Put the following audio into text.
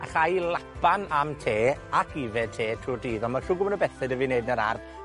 Alla i lapan am te, ac ifed te trw'r dydd. On' ma' shw gwmwn o bethe 'dy fi wneud yn yr ardd,